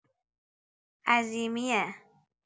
عظیمیه